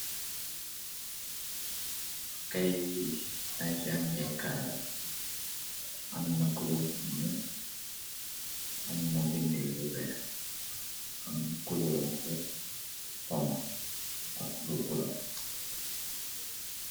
Kaye yi ay jàngee kaayla amna kuler mu nyuul am na bindi yuweex am kulur bu xonku ak bu bula.